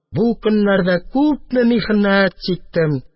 Бу көннәрдә күпме михнәт чиктем,